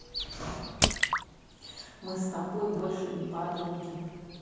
мы с тобой больше не подруги